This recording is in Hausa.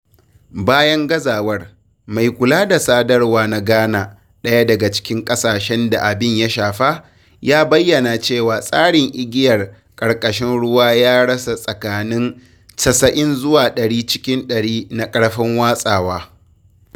Bayan gazawar, mai kula da sadarwa na Ghana, ɗaya daga cikin ƙasashen da abin ya shafa, ya bayyana cewa tsarin igiyar karkashin ruwa ya rasa tsakanin 90 zuwa 100 cikin 100 na ƙarfin watsawa.